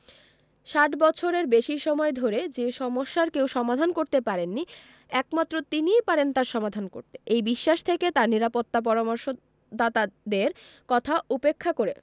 ৬০ বছরের বেশি সময় ধরে যে সমস্যার কেউ সমাধান করতে পারেনি একমাত্র তিনিই পারেন তার সমাধান করতে এই বিশ্বাস থেকে তাঁর নিরাপত্তা পরামর্শদাতাদের কথা উপেক্ষা করে